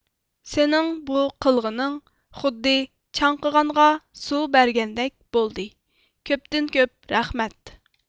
سېنىڭ بۇ قىلغىنىڭ خۇددى چاڭقىغانغا سۇ بەرگەندەك ئىش بولدى كۆپتىن كۆپ رەھمەت